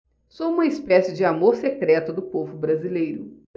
sou uma espécie de amor secreto do povo brasileiro